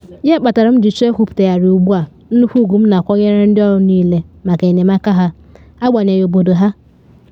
Ya kpatara m ji chọọ ikwuputegharị ugbu a nnukwu ugwu m na akwanyere ndị ọrụ niile maka enyemaka ha, agbanyeghị obodo ha.